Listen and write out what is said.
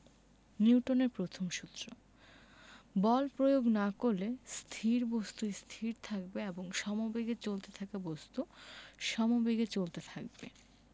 নিউটনের প্রথম সূত্র বল প্রয়োগ না করলে স্থির বস্তু স্থির থাকবে এবং সমেবেগে চলতে থাকা বস্তু সমেবেগে চলতে থাকবে